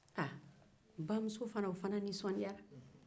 bamuso fana nisɔndiyara